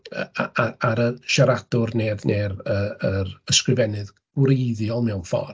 Yy a- ar ar y siaradwr neu'r neu'r y yr ysgrifennydd gwreiddiol mewn ffordd.